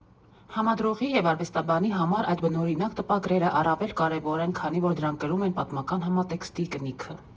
Համադրողի և արվեստաբանի համար այդ բնօրինակ տպագրերը առավել կարևոր են, քանի որ դրանք կրում են պատմական համատեքստի կնիքը։